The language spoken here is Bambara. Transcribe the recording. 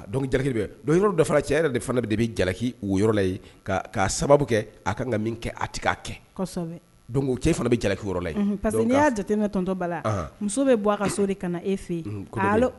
Ki yɔrɔ dɔ cɛ yɛrɛ de de bɛ jalaki'a sababu kɛ a ka kan ka min kɛ a k' kɛ cɛ fana bɛ jalaki yɔrɔla pa que n'i'atɔ muso bɛ bɔ a ka so de ka na e fɛ yen